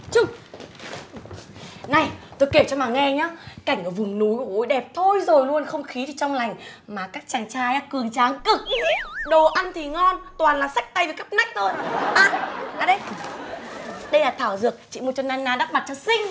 trung này tôi kể cho mà nghe nhớ cảnh ở vùng núi ồi ôi đẹp thôi rồi luôn không khí thì trong lành mà các chàng trai á cường tráng cực hí đồ ăn thì ngon toàn là xách tay với cắp nách thôi à à đây đây là thảo dược chị mua cho na na đắp mặt cho xinh